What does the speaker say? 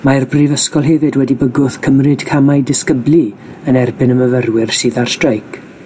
Mae'r Brifysgol hefyd wedi bygwth cymryd camau disgyblu yn erbyn y myfyrwyr sydd ar streic,